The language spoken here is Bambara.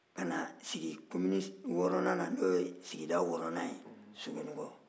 ka na sigi komini wɔɔrɔnan na n'o ye sigida wɔɔrɔnan ye sogonikɔ